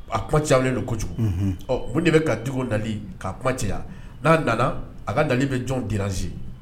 A kiuma cayalen don ko kojugu. Unhun; ɔ mun de bɛ ka Diko nali, k'a kuma caya. N'a nana, a ka nali bɛ jɔn déranger ?